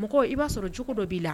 Mɔgɔ i b'a sɔrɔ cogo dɔ b'i la